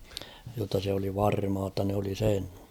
jotta se oli varmaa jotta ne oli sen